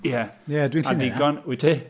Ie, dwi'n gallu wneud 'na... Wyt ti?